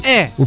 e